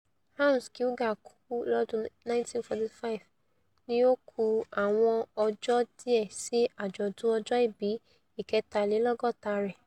Hans'' Gieger kú lọ́dún 1945, ni ó kù àwọn ọjọ́ díẹ̀ sí àjọ̀dún ojọ́-ìbí ìkẹtàlélọ́gọ́ta rẹ̀.